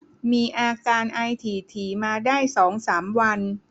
มีอาการไอถี่ถี่มาได้สองสามวัน